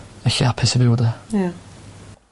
yn lle apus y fyw y'de? Ia.